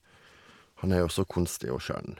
Han er jo så konsti og skjønn.